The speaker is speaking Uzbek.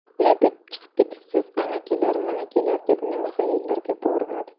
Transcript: lip etib chiqib ketibsiz ana kelar mana kelar deb nima xayollarga bormadik